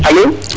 alo